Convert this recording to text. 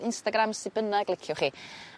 Instagram su' bynnag liciwch chi.